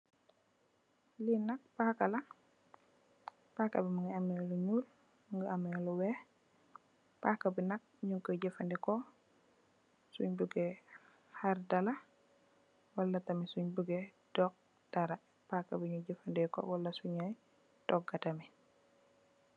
Li nak pakala, pakabi Mungi ameh lu nyuul Mungi ameh lu weih pakabi nak nyungko jefandeko sunj bugai harr dara wala tamit sunj bugai dokk dara pakabi lenyo jefandeko wala sunyo toga tamit .